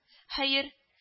—хәер